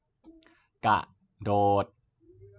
กระโดด